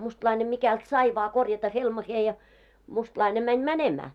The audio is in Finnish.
mustalainen mikälti sai vain korjata helmaansa ja mustalainen meni menemään